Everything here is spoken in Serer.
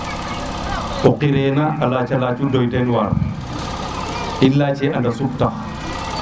o qirina yata yata doy teen waar i lace anda sup tax